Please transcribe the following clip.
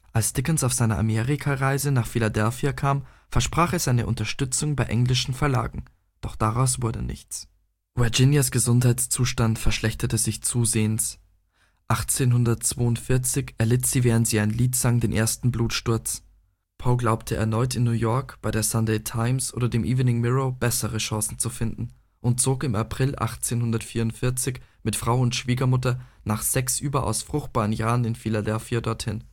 Respekt, als er auf seiner Amerika-Reise nach Philadelphia kam, versprach seine Unterstützung bei englischen Verlagen, doch daraus wurde nichts. Virginias Gesundheitszustand verschlechterte sich zusehends; 1842 erlitt sie, während sie ein Lied sang, den ersten Blutsturz. Poe glaubte erneut, in New York bei der Sunday Times oder dem Evening Mirror bessere Chancen zu finden, und zog im April 1844 mit Frau und Schwiegermutter nach sechs überaus fruchtbaren Jahren in Philadelphia dorthin